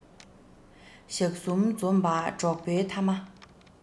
ཞག གསུམ འཛོམས པ འགྲོགས པའི ཐ མ